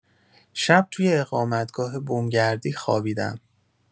شب تو یه اقامتگاه بوم‌گردی خوابیدم.